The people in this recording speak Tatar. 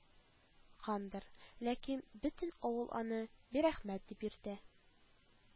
Гандыр, ләкин бөтен авыл аны «бирәхмәт» дип йөртә